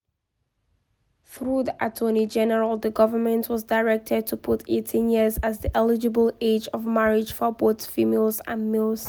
Through the attorney general, the government was directed to put 18 years as the eligible age of marriage for both females and males.